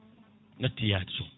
natti yaade toon